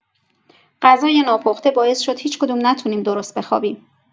غذای ناپخته باعث شد هیچ‌کدوم نتونیم درست بخوابیم.